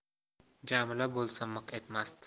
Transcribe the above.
jamila bo'lsa miq etmasdi